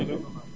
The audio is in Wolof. allo